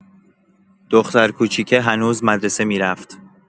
دختر کوچیکه هنوز مدرسه می‌رفت.